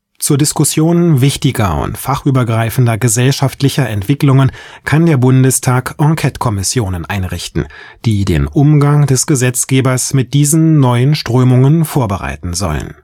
Zur Diskussion wichtiger und fachübergreifender gesellschaftlicher Entwicklungen kann der Bundestag Enquête-Kommissionen einrichten, die den Umgang des Gesetzgebers mit diesen neuen Strömungen vorbereiten sollen